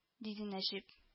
— диде нәҗип